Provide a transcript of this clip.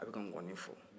a bɛ ka ngɔni fɔ